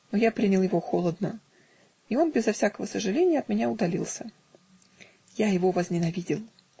но я принял его холодно, и он безо всякого сожаления от меня удалился. Я его возненавидел.